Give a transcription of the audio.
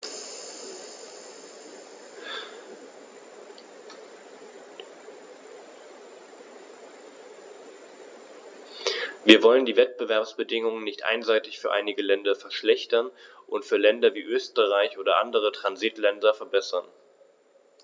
Wir wollen die Wettbewerbsbedingungen nicht einseitig für einige Länder verschlechtern und für Länder wie Österreich oder andere Transitländer verbessern.